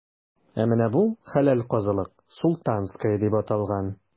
Ә менә бу – хәләл казылык,“Султанская” дип аталган.